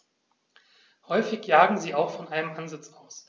Häufig jagen sie auch von einem Ansitz aus.